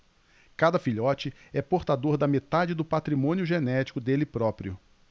cada filhote é portador da metade do patrimônio genético dele próprio